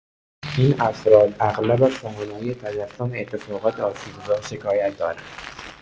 این افراد، اغلب از توانایی تجسم اتفاقات آسیبزا شکایت دارند.